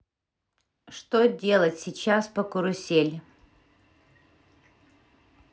что делать сейчас по карусель